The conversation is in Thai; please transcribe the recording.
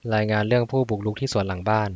รายงานเรื่องผู้บุกรุกที่สวนหลังบ้าน